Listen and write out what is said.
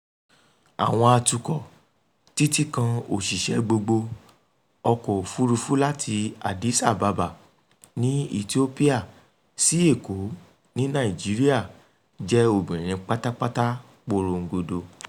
Awọn atukọ̀ títí kan òṣìṣẹ́ gbogbo, ọkọ̀ òfuurufú láti Addis Ababa ní Ethiopia sí Èkó ní Nàìjíríà — jẹ́ obìnrin pátápátá porongodo.